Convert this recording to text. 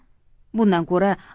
bundan ko'ra